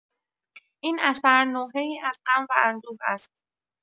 این اثر، نوحه‌ای از غم و اندوه است.